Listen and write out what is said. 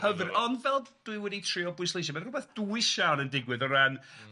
Ma'n hyfryd ond fel dwi wedi trio bwysleisio ma' rywbeth dwys iawn yn digwydd o ran... M-hm.